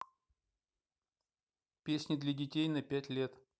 песни для детей на пять лет